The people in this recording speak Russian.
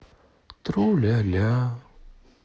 тру ля ля